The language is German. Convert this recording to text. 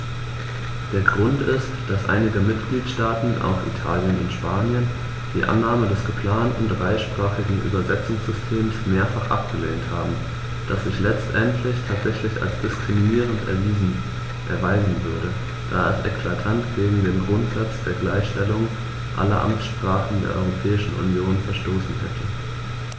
Der Grund ist, dass einige Mitgliedstaaten - auch Italien und Spanien - die Annahme des geplanten dreisprachigen Übersetzungssystems mehrfach abgelehnt haben, das sich letztendlich tatsächlich als diskriminierend erweisen würde, da es eklatant gegen den Grundsatz der Gleichstellung aller Amtssprachen der Europäischen Union verstoßen hätte.